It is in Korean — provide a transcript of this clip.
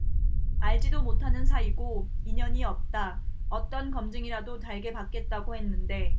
알지도 못하는 사이고 인연이 없다 어떤 검증이라도 달게 받겠다고 했는데